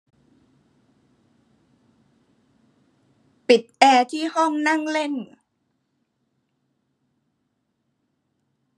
ปิดแอร์ที่ห้องนั่งเล่น